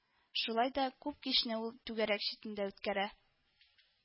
Шулай да күп кичне ул түгәрәк читендә үткәрә